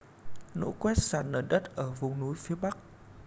lũ quét sạt lở đất ở vùng núi phía bắc